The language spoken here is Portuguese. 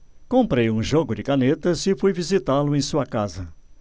comprei um jogo de canetas e fui visitá-lo em sua casa